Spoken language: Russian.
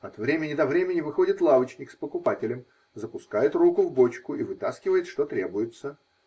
От времени до времени выходит лавочник с покупателем, запускает руку в бочку, и вытаскивает, что требуется